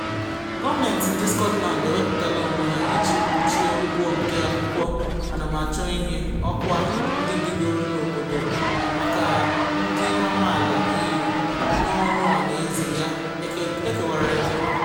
Gọọmentị ndị Scotland ewepụtala onwe ha iji kpuchie ụgwọ nke akwụkwọ anamachọihe ọkwa ndị bigoro n’obodo maka ndị amaala EU n’ọrụ ọhaneze ya ekewara ekewa.